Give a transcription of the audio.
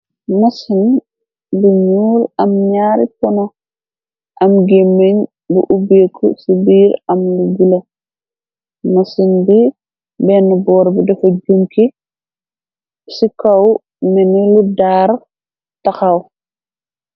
Masin bi ñuul am ñaari pono, am gi mëñ bu ubbeeku ci biir am lu bulo, masin bi bena boor bi dafa jumki ci kaw neni lu daar taxaw.